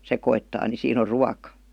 sekoittaa niin siinä on ruoka